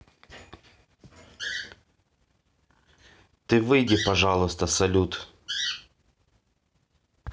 ты выйди пожалуйста салют